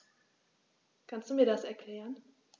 Kannst du mir das erklären?